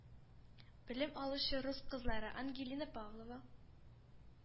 Белем алучы рус кызлары ангелина павлова,